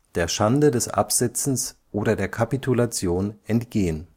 der Schande des Absetzens oder der Kapitulation entgehen